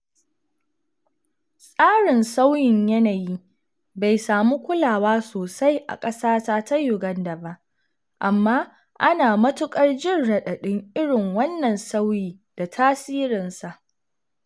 Tasirin sauyin yanayi bai samu kulawa sosai a ƙasata ta Uganda ba, amma ana matuƙar jin raɗaɗin irin wannan sauyi da tasirinsa.